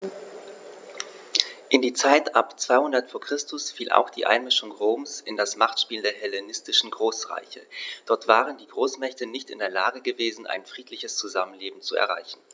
In die Zeit ab 200 v. Chr. fiel auch die Einmischung Roms in das Machtspiel der hellenistischen Großreiche: Dort waren die Großmächte nicht in der Lage gewesen, ein friedliches Zusammenleben zu erreichen.